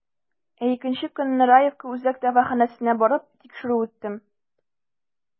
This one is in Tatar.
Ә икенче көнне, Раевка үзәк дәваханәсенә барып, тикшерү үттем.